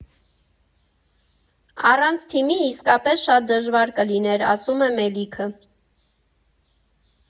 Առանց թիմի իսկապես շատ դժվար կլիներ, ֊ ասում է Մելիքը։